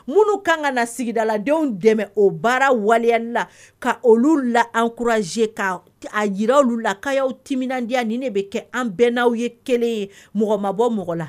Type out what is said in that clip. Minnu kan ka na sigidaladenw dɛmɛ o baara waliya la ka olu la ankuraze' a jira olu la kayaaw timin diyaya ni ne bɛ kɛ an bɛn n'aw ye kelen ye mɔgɔmabɔ mɔgɔ la